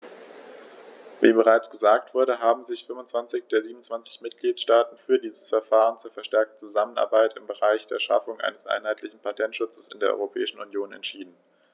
Wie bereits gesagt wurde, haben sich 25 der 27 Mitgliedstaaten für dieses Verfahren zur verstärkten Zusammenarbeit im Bereich der Schaffung eines einheitlichen Patentschutzes in der Europäischen Union entschieden.